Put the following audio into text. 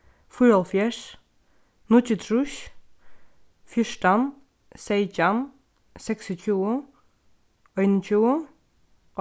fýraoghálvfjerðs níggjuogtrýss fjúrtan seytjan seksogtjúgu einogtjúgu